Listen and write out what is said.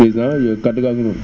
président kaddu gaa ngi noonu